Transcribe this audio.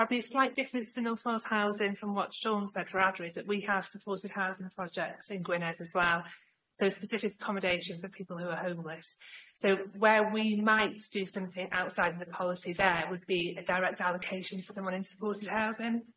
Probably a slight difference to North Wales Housing from what Siôn said for Adre is that we have supported housing projects in Gwynedd as well, so specific accommodation for people who are homeless. So where we might do something outside of the policy there would be a direct allocation for someone in supported housing.